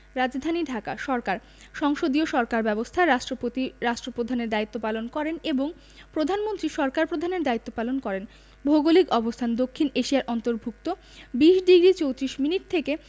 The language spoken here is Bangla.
রাজধানীঃ ঢাকা সরকারঃ সংসদীয় সরকার ব্যবস্থা রাষ্ট্রপতি রাষ্ট্রপ্রধানের দায়িত্ব পালন করেন এবং প্রধানমন্ত্রী সরকার প্রধানের দায়িত্ব পালন করেন ভৌগোলিক অবস্থানঃ দক্ষিণ এশিয়ার অন্তর্ভুক্ত ২০ডিগ্রি ৩৪ মিনিট থেকে